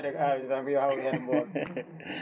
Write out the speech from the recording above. gueɗe ko awri tan yo hawru hen *